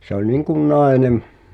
se oli niin kuin nainen